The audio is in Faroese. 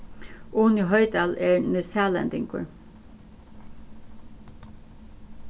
uni hoydal er nýsælendingur